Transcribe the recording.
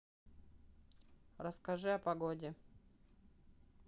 расскажи о погоде